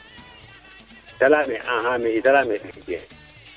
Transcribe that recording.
te layame axa